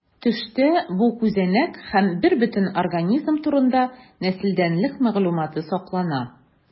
Төштә бу күзәнәк һәм бербөтен организм турында нәселдәнлек мәгълүматы саклана.